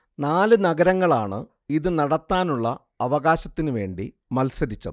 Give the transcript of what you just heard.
നാല് നഗരങ്ങളാണ് ഇത് നടത്താനുള്ള അവകാശത്തിന് വേണ്ടി മത്സരിച്ചത്